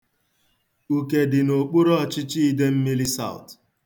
Uke dị n'okpuru ọchịchị Idemmili Saụt.